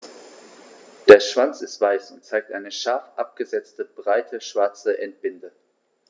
Der Schwanz ist weiß und zeigt eine scharf abgesetzte, breite schwarze Endbinde.